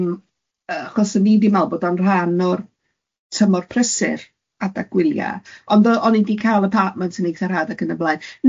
Yym yy achos o'n i'n meddwl bod o'n rhan o'r tymor prysur, adag gwyliau, ond o- o'n i'n cael apartment yn eitha rhad ac yn y blaen.